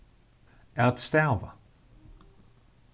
at stava